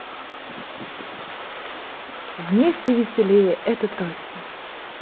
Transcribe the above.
вместе веселее это точно